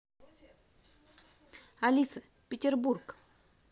алиса петербург